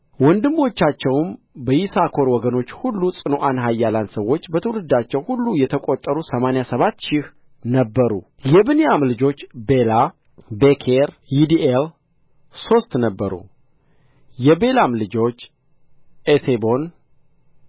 ወንድሞቻቸውም በይሳኮር ወገኖች ሁሉ ጽኑዓን ኃያላን ሰዎች በትውልዳቸው ሁሉ የተቈጠሩ ሰማኒያ ሰባት ሺህ ነበሩ የብንያም ልጆች ቤላ ቤኬር ይዲኤል ሦስት ነበሩ የቤላም ልጆች ኤሴቦን